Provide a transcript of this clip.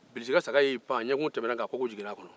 bilisi ka saga y'i pan a ɲɛkun tɛmɛna nka kogo jiginna a kɔnɔ